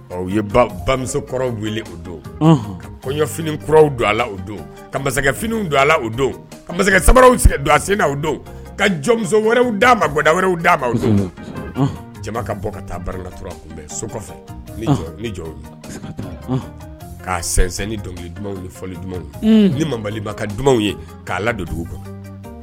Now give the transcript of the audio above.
Ɔ u ye bamusokɔrɔw weele o don kɔɲɔf kuraw don a o don ka masakɛfw don a o don ka masakɛraw don a senina o don ka jɔnmuso wɛrɛw d aa mada wɛrɛraw d a don jama ka bɔ ka taa baralaturaurabɛ so kɔfɛ ni ni'a sinsɛn ni dɔnkili dumanw ni fɔli dumanuma ni mabaliba ka dumanuma ye k'a la dondugu kan